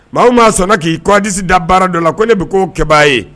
Maa' sɔnna k'i kodisi da baara dɔ la ko ne bɛ koo kɛbaa ye